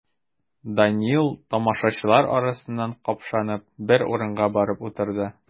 Данил, тамашачылар арасыннан капшанып, бер урынга барып утырды.